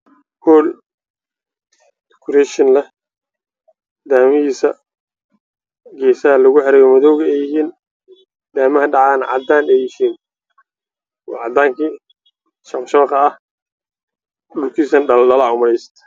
Meeshan waxaa ka muuqda qol qurux badan oo ay ku yaalaan weerar dhalaalaya al waxaa ku wareegsan daahiyo madow ah